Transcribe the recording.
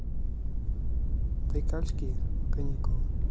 байкальские каникулы